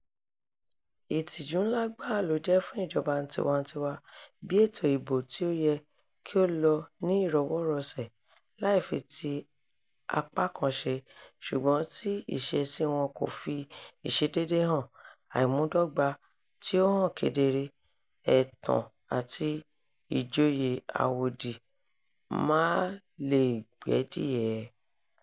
Ìtìjú ńlá gbáà ló jẹ́ fún ìjọba tiwantiwa, bí ètò ìbò tí o yẹ kí ó lọ ní ìrọwọ́-ìrọsẹ̀ láì fi ti apá kan ṣe, ṣùgbọ́n tí ìṣesíi wọn kò fi ìṣedéédé hàn, àìmúdọ́gba tí ó hàn kedere, ẹ̀tàn àti ìjòye àwòdì máà le è gbẹ́dìẹ.